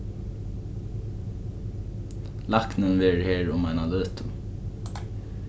læknin verður her um eina løtu